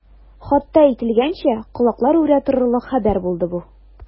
Хатта әйтелгәнчә, колаклар үрә торырлык хәбәр булды бу.